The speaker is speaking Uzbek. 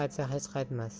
aytsa hech qaytmas